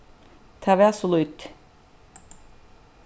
tað var so lítið